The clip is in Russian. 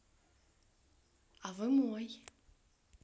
а вы мой